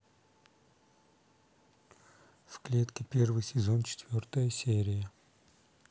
в клетке первый сезон четвертая серия